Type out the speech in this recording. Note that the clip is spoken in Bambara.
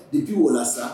I b'i walasa sa